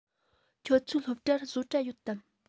ཁྱོད ཚོའི སློབ གྲྭར བཟོ གྲྭ ཡོད དམ